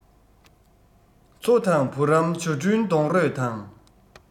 མཚོ དང བུ རམ བྱ བྲུན སྡོང རོས དང